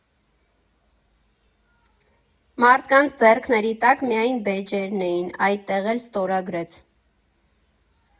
Մարդկանց ձեռքների տակ միայն բեյջերն էին, այդտեղ էլ ստորագրեց։